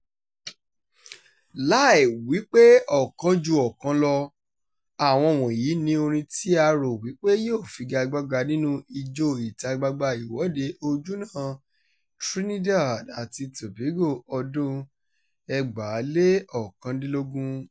Láì wípé ọ̀kan ju ọ̀kan lọ, àwọn wọ̀nyí ni orin tí a rò wípé yóò figagbága nínú Ijó ìta-gbangba Ìwọ́de Ojúnà Trinidad àti Tobago ọdún-un 2019...